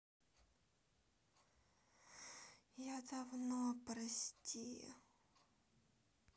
я давно прости